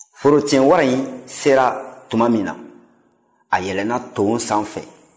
forotiyɛn wara in sera tuma min na a yɛlɛnna nton sanfɛ